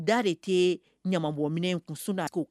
Da de tɛ ɲamamɔgɔ minɛ kunda ko